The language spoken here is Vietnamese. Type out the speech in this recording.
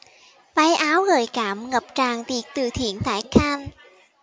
váy áo gợi cảm ngập tràn tiệc từ thiện tại cannes